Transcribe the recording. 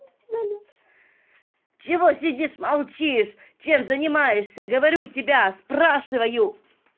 чего сидишь молчишь чем занимаешься говорю тебя спрашиваю